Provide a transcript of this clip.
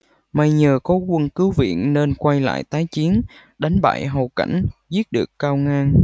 may nhờ có quân cứu viện nên quay lại tái chiến đánh bại hầu cảnh giết được cao ngang